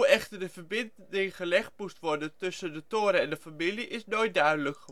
echter de verbinding gelegd moest worden tussen de toren en die familie is nooit duidelijk geworden